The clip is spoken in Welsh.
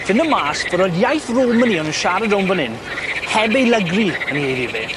ffindo mas fod yr iaith Romani o'n nw'n siarad rownd fyn 'yn heb ei lygru yn 'i eirie fe,